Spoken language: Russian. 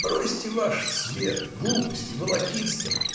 бросьте ваш свет, глупости, волокитства.